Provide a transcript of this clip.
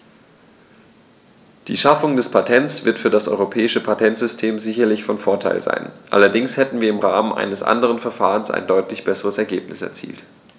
Die Schaffung des Patents wird für das europäische Patentsystem sicherlich von Vorteil sein, allerdings hätten wir im Rahmen eines anderen Verfahrens ein deutlich besseres Ergebnis erzielt.